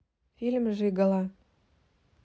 фильм жигало